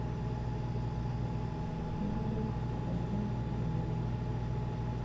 игорек подождем твою маму